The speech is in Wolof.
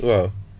waaw